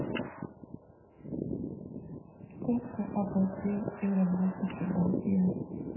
сказка о попе и работнике балде